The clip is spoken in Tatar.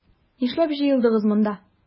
Нишләп җыелдыгыз монда?